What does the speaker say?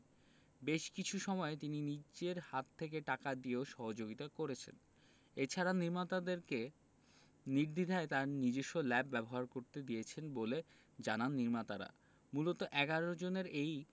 বেশ কিছু সময়ে তিনি নিজের হাত থেকে টাকা দিয়েও সহযোগিতা করেছেন এছাড়া নির্মাতাদেরকে নির্দ্বিধায় তার নিজস্ব ল্যাব ব্যবহার করতে দিয়েছেন বলে জানান নির্মাতারা মূলত ১১ জনের এই